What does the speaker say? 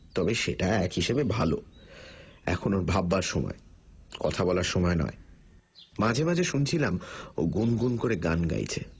তবে সেটা এক হিসেবে ভাল এখন ওর ভাববার সময় কথা বলার সময় নয় মাঝে মাঝে শুনছিলাম ও গুন গুন করে গান গাইছে